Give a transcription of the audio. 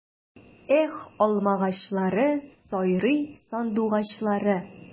Эх, алмагачлары, сайрый сандугачлары!